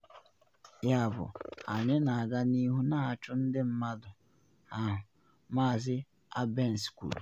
Yabụ anyị na aga n’ihu na achụ ndị mmadụ ahụ,” Maazị Albence kwuru.